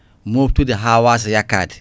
moftude ha wasa yakkade